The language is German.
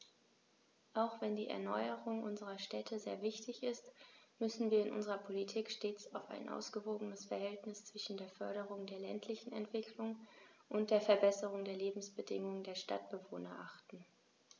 Auch wenn die Erneuerung unserer Städte sehr wichtig ist, müssen wir in unserer Politik stets auf ein ausgewogenes Verhältnis zwischen der Förderung der ländlichen Entwicklung und der Verbesserung der Lebensbedingungen der Stadtbewohner achten.